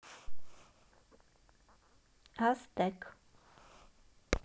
газ тек